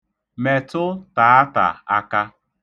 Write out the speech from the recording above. Metụ taata aka.